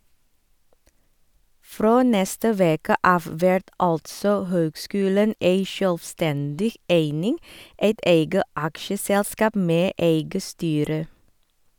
Frå neste veke av vert altså høgskulen ei sjølvstendig eining, eit eige aksjeselskap med eige styre.